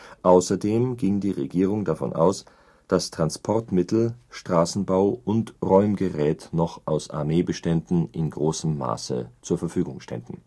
Außerdem ging die Regierung davon aus, dass Transportmittel, Straßenbau - und Räumgerät noch aus Armeebeständen in großem Maße zur Verfügung ständen